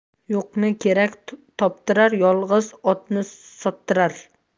yo'qni kerak toptirar yolg'iz otni sottirar